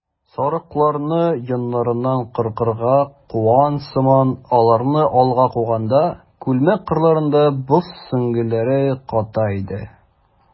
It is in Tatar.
Сарыкларны йоннарын кыркырга куган сыман аларны алга куганда, күлмәк кырларында боз сөңгеләре ката иде.